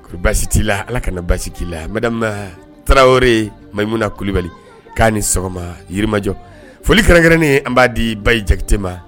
Kɔnni basi t'i la, Ala kana basi k'i la. Madamu Tarawele Mayimuna kulibali k'a ni sɔgɔma, yirimajɔ. Foli kɛrɛnkɛrɛnnen an b'a di Bayi Jakite ma